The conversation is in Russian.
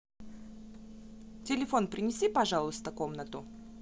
телефон принеси пожалуйста комнату